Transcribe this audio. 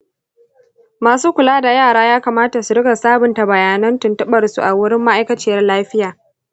masu kula da yara ya kamata su riƙa sabunta bayanan tuntuɓarsu a wurin ma'aikaciyar lafiya.